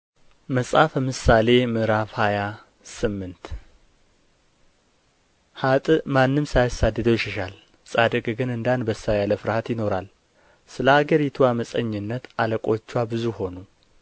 መጽሐፈ ምሳሌ ምዕራፍ ሃያ ስምንት ኀጥእ ማንም ሳያሳድደው ይሸሻል ጻድቅ ግን እንደ አንበሳ ያለ ፍርሃት ይኖራል ስለ አገሪቱ ዓመፀኝነት አለቆችዋ ብዙ ሆኑ